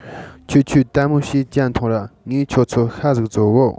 ཁྱེད ཆོས དལ མོ བྱོས ཇ ཐུངས ར ངས ཁྱེད ཆོའ ཤ ཟིག བཙོ གོ